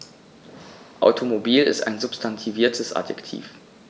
Automobil ist ein substantiviertes Adjektiv.